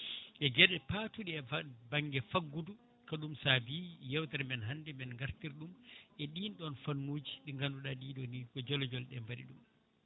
e gueɗe patuɗi e banggue faggudu ko ɗum saabi yewtere men hande men gartirɗum e ɗin ɗon fannuji ɗi ganduɗa ɗiɗo ni ko jole jole mbaɗi ɗum